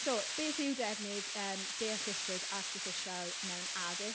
So beth yw defnydd yym deallusrwydd artiffisial mewn addysg?